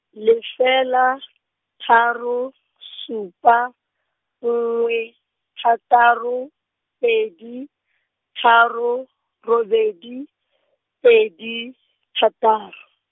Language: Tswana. lefela, tharo, supa, nngwe, thataro, pedi, tharo, robedi , pedi, thataro.